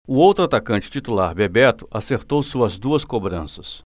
o outro atacante titular bebeto acertou suas duas cobranças